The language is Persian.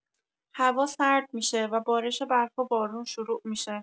هوا سرد می‌شه و بارش برف و بارون شروع می‌شه.